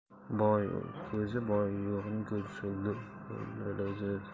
boyning ko'zi boy yo'qning ko'zi loy